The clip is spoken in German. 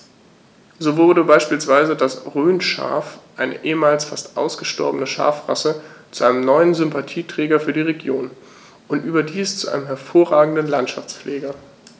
So wurde beispielsweise das Rhönschaf, eine ehemals fast ausgestorbene Schafrasse, zu einem neuen Sympathieträger für die Region – und überdies zu einem hervorragenden Landschaftspfleger.